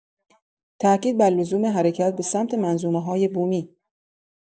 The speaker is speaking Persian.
تأکید بر لزوم حرکت به سمت منظومه‌های بومی